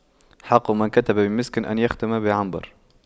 حق من كتب بمسك أن يختم بعنبر